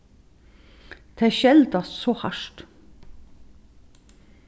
tey skeldast so hart